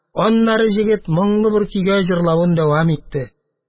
Аннары егет моңлы бер көйгә җырлавын дәвам итте